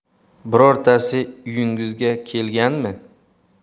birontasi uyingizga kelganmi